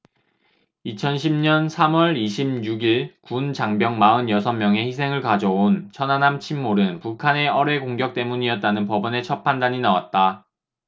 이천 십 년 삼 월 이십 육 일 군 장병 마흔 여섯 명의 희생을 가져온 천안함 침몰은 북한의 어뢰 공격 때문이었다는 법원의 첫 판단이 나왔다